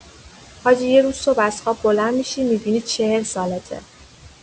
حاجی یه روز صبح از خواب بلند می‌شی می‌بینی ۴۰ سالته!